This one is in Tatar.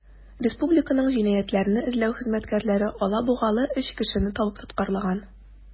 Республиканың җинаятьләрне эзләү хезмәткәрләре алабугалы 3 кешене табып тоткарлаган.